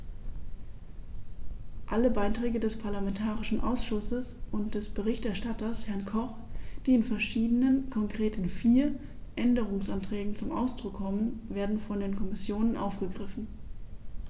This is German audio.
Alle Beiträge des parlamentarischen Ausschusses und des Berichterstatters, Herrn Koch, die in verschiedenen, konkret in vier, Änderungsanträgen zum Ausdruck kommen, werden von der Kommission aufgegriffen.